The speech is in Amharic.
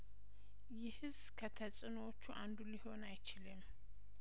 ይህስ ከተጽእኖዎቹ አንዱ ሊሆን አይችልም